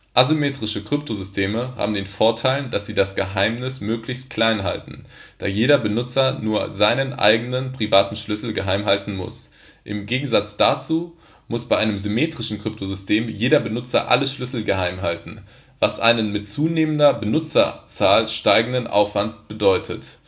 Asymmetrische Kryptosysteme haben den Vorteil, dass sie das Geheimnis möglichst klein halten, da jeder Benutzer nur seinen eigenen privaten Schlüssel geheim halten muss. Im Gegensatz dazu muss bei einem symmetrischen Kryptosystem jeder Benutzer alle Schlüssel geheim halten, was einen mit zunehmender Benutzerzahl steigenden Aufwand bedeutet